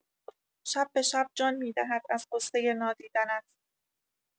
شب به شب جان می‌دهد از غصۀ نادیدنت